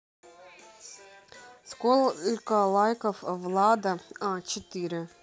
сколько лайков влада а четыре